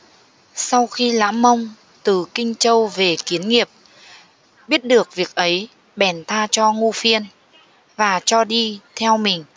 sau khi lã mông từ kinh châu về kiến nghiệp biết được việc ấy bèn tha cho ngu phiên và cho đi theo mình